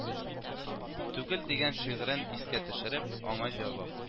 Түгел дигән шигырен искә төшереп, аңа җавап